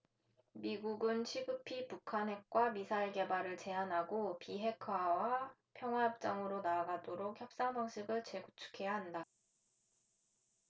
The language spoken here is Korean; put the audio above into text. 미국은 시급히 북한 핵과 미사일 개발을 제한하고 비핵화와 평화협정으로 나아가도록 협상 방식을 재구축해야 한다